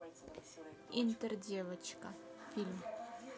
интердевочка фильм